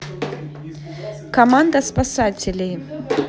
команда спасателей